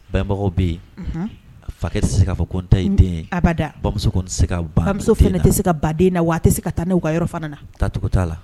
Banbagaw bɛ yen, unhun, a fakɛ tɛ se k'a fɔ ko ta ye den ye, a ba da, bamuso k'o tɛ se ka bamuso tɛ se ka ban den na, wa a tɛ se ka taa na y'u ka yɔrɔfana na taacogo t'a la, a ba da.